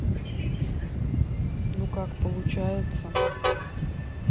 ну как получается